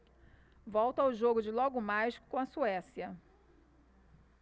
volto ao jogo de logo mais com a suécia